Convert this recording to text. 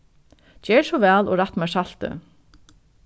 ger so væl og rætt mær saltið